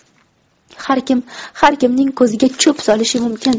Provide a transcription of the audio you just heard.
har kim har kimning ko'ziga cho'p solishi mumkin